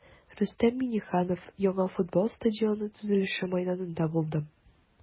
Рөстәм Миңнеханов яңа футбол стадионы төзелеше мәйданында булды.